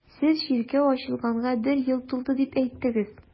Сез чиркәү ачылганга бер ел тулды дип әйттегез.